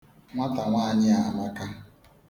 Nwatanwaanyị a amaka.